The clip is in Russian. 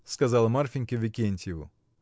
— сказала Марфинька Викентьеву.